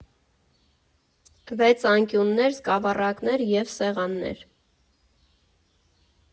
Վեցանկյուններ, սկավառակներ և սեղաններ։